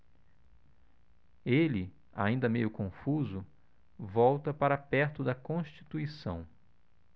ele ainda meio confuso volta para perto de constituição